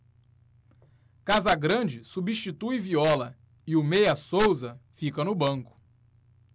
casagrande substitui viola e o meia souza fica no banco